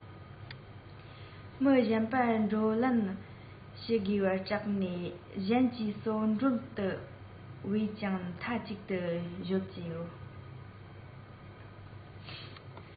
མི གཞན པར མགྲོན ལན ཞུ དགོས པར སྐྲག ནས གཞན གྱིས གསོལ མགྲོན དུ བོས ཀྱང མཐའ གཅིག ཏུ བཤོལ གྱི ཡོད